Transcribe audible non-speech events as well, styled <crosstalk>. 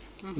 <hesitation> <hesitation>